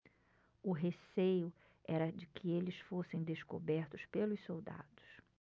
o receio era de que eles fossem descobertos pelos soldados